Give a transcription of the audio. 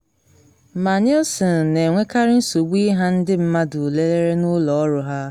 Ma Nielsen na enwekarị nsogbu ịha ndị mmadụ lelere n’ụlọ ọrụ ha.